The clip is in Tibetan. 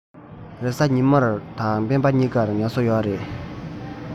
རེས གཟའ ཉི མ དང སྤེན པ གཉིས ཀར ངལ གསོ ཡོད རེད